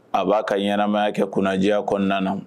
A b'a ka ɲɛnamaya kɛ kunna juguyaya kɔnɔna na